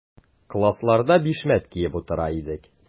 Классларда бишмәт киеп утыра идек.